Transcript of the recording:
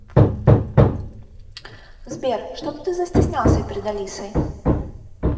сбер что ты застеснялся перед алисой